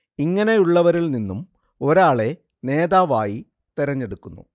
ഇങ്ങനെയുള്ളവരിൽ നിന്നും ഒരാളെ നേതാവായി തിരഞ്ഞെടുക്കുന്നു